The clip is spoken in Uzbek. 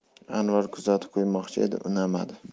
anvar kuzatib qo'ymoqchi edi unamadi